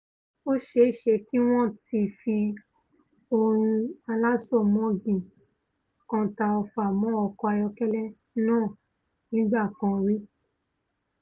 Ó ṣeé ṣe kí wọ́n ti fi ọrún alásomọ́gi kan ta ọfà mọ́ ọkọ̀ ayọ́kẹ́lẹ́ nàà nígbà kan rí.